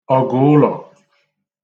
ọ̀gụụlọ̀